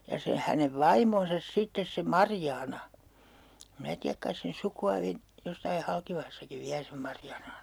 ja se hänen vaimonsa sitten se Marjaana minä tiedä kai sen sukua vielä jossakin Halkivahassakin vielä sen Marjaanan on